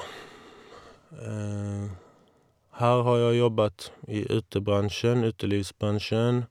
Her har jeg jobbet i utebransjen utelivsbransjen.